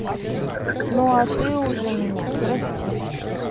ну а ты уже меня прости